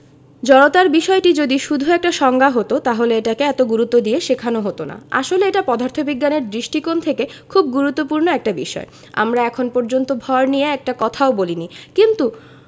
জড়তার বিষয়টি যদি শুধু একটা সংজ্ঞা হতো তাহলে এটাকে এত গুরুত্ব দিয়ে শেখানো হতো না আসলে এটা পদার্থবিজ্ঞানের দৃষ্টিকোণ থেকে খুব গুরুত্বপূর্ণ একটা বিষয় আমরা এখন পর্যন্ত ভর নিয়ে একটি কথাও বলিনি কিন্তু